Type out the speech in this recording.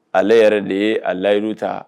Ale yɛrɛ de ye a layiuru ta